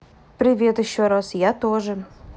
привет еще раз я тоже